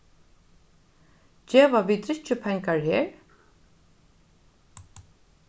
geva vit drykkjupengar her